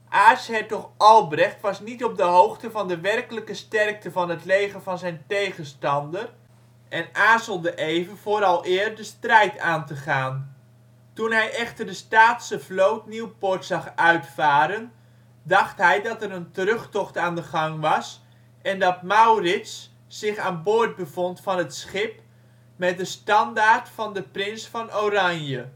Aartshertog Albrecht was niet op de hoogte van de werkelijke sterkte van het leger van zijn tegenstander en aarzelde even vooraleer de strijd aan te gaan. Toen hij echter de Staatse vloot Nieuwpoort zag uitvaren, dacht hij dat er een terugtocht aan de gang was en dat Maurits zich aan boord bevond van het schip met de standaard van de prins van Oranje